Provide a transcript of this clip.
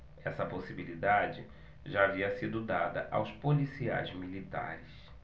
essa possibilidade já havia sido dada aos policiais militares